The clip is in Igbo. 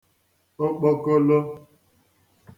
okpokolo